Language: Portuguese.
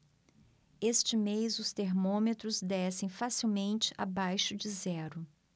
este mês os termômetros descem facilmente abaixo de zero